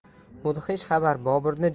mudhish xabar boburni